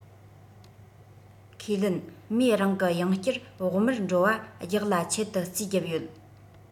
ཁས ལེན མོའི རང གི ཡང བསྐྱར བག མར འགྲོ བ རྒྱག ལ ཆེད དུ རྩིས བརྒྱབ ཡོད